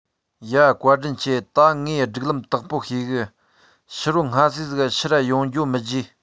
ཡ བཀའ དྲིན ཆེ ད ངས སྒྲིག ལམ དག པོ ཤེས གི ཕྱི རོ སྔ སེ ཟིག གི ཕྱིར ར ཡོང རྒྱུའོ མི བརྗེད